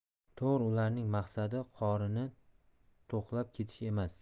to'g'ri ularning maqsadi qorinni to'qlab ketish emas